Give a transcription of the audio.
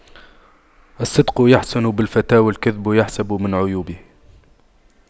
الصدق يحسن بالفتى والكذب يحسب من عيوبه